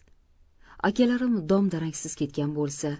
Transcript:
akalarim dom daraksiz ketgan bo'lsa